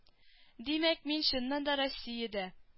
Димәк мин чыннан да россиядә